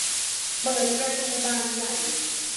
เปิดประตูบานใหญ่